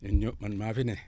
ñun ñoo man maa fi ne